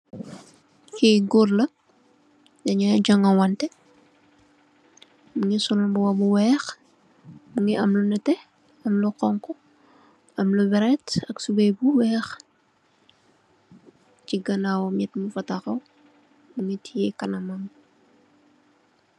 Kii goor la, dañooy jongawanteh, mungi sol mbuba bu weex, mungi am lu neteh, lu xonxu, am lu weret, ak tubeuy bu weex, chi ganaawam nit mungfa taxaw, mungi tiyee kanamam.